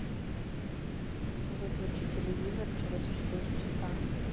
выключи телевизор через четыре часа